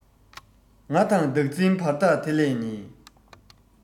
ང དང བདག འཛིན བར ཐག དེ ལས ཉེ